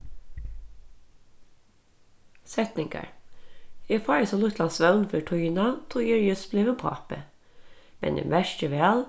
setningar eg fái so lítlan svøvn fyri tíðina tí eg eri júst blivin pápi men eg merki væl